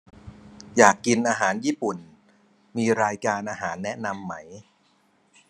อยากกินอาหารญี่ปุ่นมีรายการอาหารแนะนำไหม